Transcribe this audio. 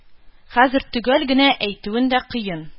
Хәзер төгәл генә әйтүе дә кыен